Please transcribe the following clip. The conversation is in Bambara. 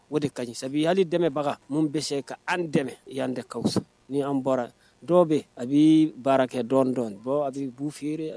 O de ka ɲi sabu hali dɛmɛbaga minnu bɛ se ka an dɛmɛ yan dɛ ka fisa. ni an bɔra dɔw bɛ, a bɛ baara kɛ dɔɔnni dɔɔnni, dɔ a bɛ bu fere